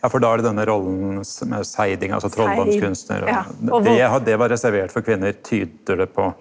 ja for då er det denne rolla med seiding altså trolldomskunstar og vi det var reservert for kvinner tyder det på.